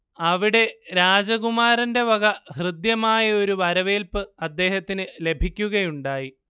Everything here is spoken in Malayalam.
അവിടെ രാജകുമാരന്റെ വക ഹൃദ്യമായ ഒരു വരവേൽപ്പ് അദ്ദേഹത്തിന് ലഭിക്കുകയുണ്ടായി